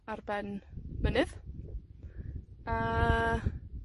ar ben mynydd, a,